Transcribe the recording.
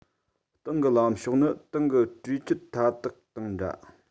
ཏང གི ལམ ཕྱོགས ནི ཏང གི གྲོས ཆོད མཐའ དག དང འདྲ